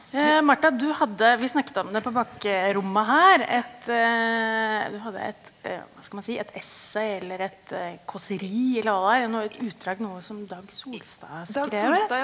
Marta, du hadde vi snakket om det på bakrommet her et du hadde et ja hva skal man si et essay eller et kåseri eller hva det var noe utdrag noe som Dag Solstad har skrevet?